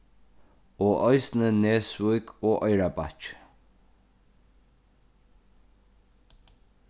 og eisini nesvík og oyrarbakki